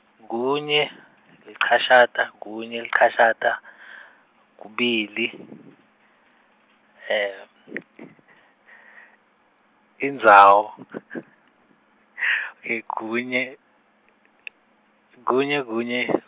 kunye lichashata kunye lichashata , kubili indzawo e kunye , kunye kunye.